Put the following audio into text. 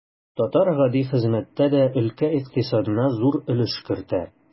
Татар гади хезмәттә дә өлкә икътисадына зур өлеш кертә.